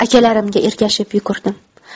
akalarimga ergashib yugurdim